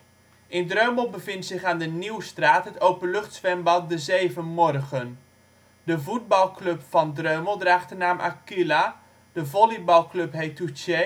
In Dreumel bevindt zich aan de Nieuwstraat het openluchtzwembad " De Zeven Morgen ". De voetbalclub van Dreumel draagt de naam Aquila, de volleybalclub heet Touché